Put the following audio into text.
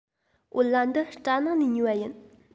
བོད ལྭ འདི གྲ ནང ནས ཉོས པ ཡིན